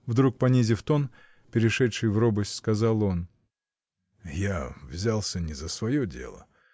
— вдруг понизив тон, перешедший в робость, сказал он. — Я взялся не за свое дело.